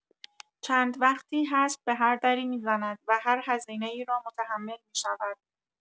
چند وقتی هست به هر دری می‌زند و هر هزینه‌ای را متحمل می‌شود.